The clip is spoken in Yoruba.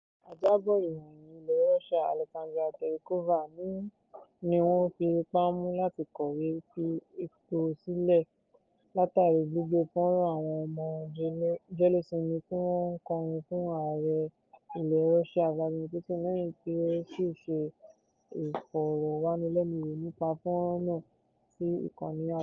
Ajábọ̀ ìròyìn ilẹ̀ Russia Alexandra Terikova ni wọ́n fi ipá mú láti kọ̀wé fi ipò sílẹ̀ látàrí gbígbé fọ́nrán àwọn ọmọ jẹ́léósinmi tí wọ́n ń kọrin fún ààrẹ ilẹ̀ Russia Vladimir Putin lẹ́yìn tí ó sì ṣe Ìfọ̀rọ̀wánilẹ́nuwò nípa fọ́nrán náà sí ìkànnì àdáni.